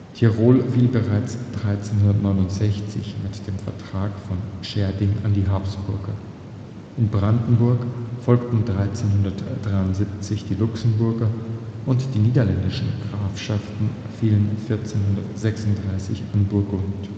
Tirol fiel bereits 1369 mit dem Vertrag von Schärding an die Habsburger, in Brandenburg folgten 1373 die Luxemburger, und die niederländischen Grafschaften fielen 1436 an Burgund